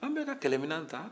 an bɛɛ ka kɛlɛminɛn ta